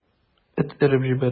Эт өреп җибәрә.